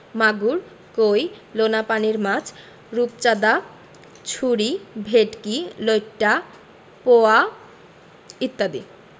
মাগুর কৈ লোনাপানির মাছ রূপচাঁদা ছুরি ভেটকি লইট্ট পোয়া ইত্যাদি